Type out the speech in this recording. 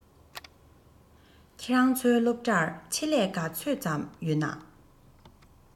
ཁྱོད རང ཚོའི སློབ གྲྭར ཆེད ལས ག ཚོད ཙམ ཡོད ན